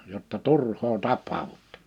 jotta turhaan tapaudutte